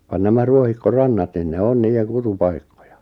vaan nämä ruohikkorannat niin ne on niiden kutupaikkoja